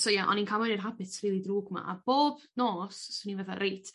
So ia o'n i'n ca'l mewn i'r habits rili ddrwg 'ma a bob nos 'swn i fatha reit